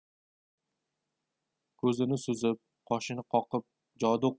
ko'zini suzib qoshini qoqib jodu